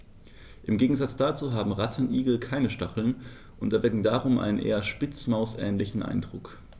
Im Gegensatz dazu haben Rattenigel keine Stacheln und erwecken darum einen eher Spitzmaus-ähnlichen Eindruck.